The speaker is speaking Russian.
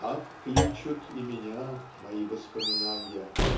Так кличут и меня мои воспоминанья